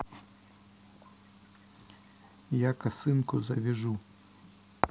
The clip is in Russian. я косынку завяжу